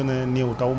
taw bu néew